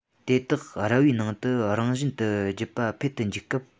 དེ དག ར བའི ནང དུ རང བཞིན དུ རྒྱུད པ འཕེལ དུ འཇུག སྐབས